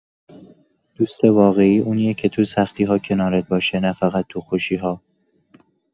دوست واقعی اونیه که تو سختی‌ها کنارت باشه، نه‌فقط تو خوشی‌ها.